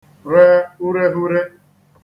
re ureghure